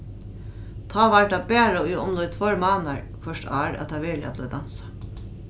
tá var tað bara í umleið tveir mánaðir hvørt ár at tað veruliga bleiv dansað